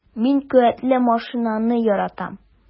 Мин куәтле машинаны яратам.